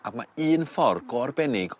a ma' un ffor go arbennig